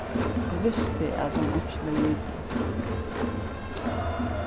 eg visti at hann einki legði í tað